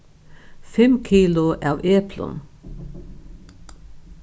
fimm kilo av eplum